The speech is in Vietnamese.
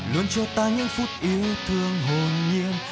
luôn cho ta những phút yêu thương hồn nhiên